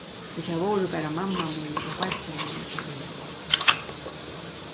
so tað vóru bara mamma mín og beiggi mín og eg